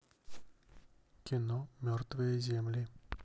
кино мертвые земли